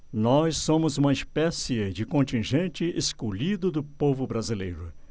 nós somos uma espécie de contingente escolhido do povo brasileiro